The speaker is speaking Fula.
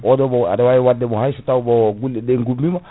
oɗo bon aɗa wawi waddemo hayso taw bon ɓulleɗe gummima